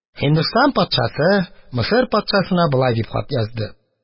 Һиндстан патшасы Мисыр патшасына болай дип хат язды